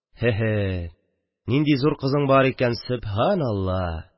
– һе-һе, нинди зур кызың бар икән, сөбханалла!